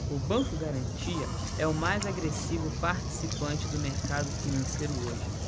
o banco garantia é o mais agressivo participante do mercado financeiro hoje